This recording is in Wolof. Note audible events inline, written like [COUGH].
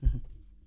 [HESITATION] [HESITATION]